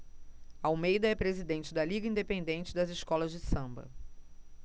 almeida é presidente da liga independente das escolas de samba